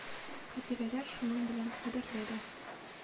Хатирәләр шуның белән кадерле дә.